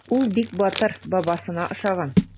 Ул бик батыр, бабасына охшаган.